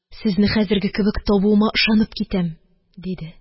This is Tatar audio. Сезне хәзерге кебек табуыма ышанып китәм, – диде.